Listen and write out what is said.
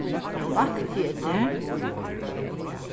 vakti eg teg